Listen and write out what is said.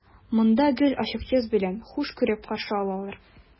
Монда гел ачык йөз белән, хуш күреп каршы алалар.